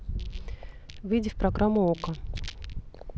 выйди в программу okko